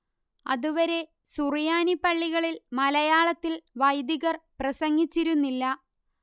അതുവരെ സുറിയാനി പള്ളികളിൽ മലയാളത്തിൽ വൈദികർ പ്രസംഗിച്ചിരുന്നില്ല